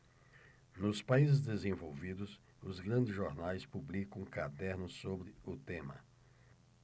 nos países desenvolvidos os grandes jornais publicam cadernos sobre o tema